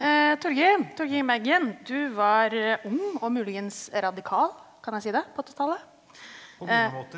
Torgrim, Torgrim Eggen du var ung og muligens radikal, kan jeg si det, på åttitallet ?